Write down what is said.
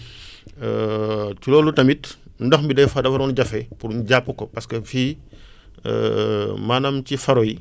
ci loolu tamit ndox mi des fois dafa doon jafe pour ñu jàpp ko parce que fii maanaam ci faro yi